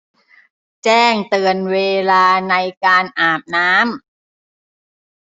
แจ้งเตือนเวลาในการอาบน้ำ